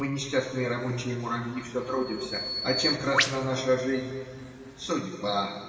Мы, несчастные рабочие муравьи, все трудимся, а чем красна наша жизнь? Судьба!.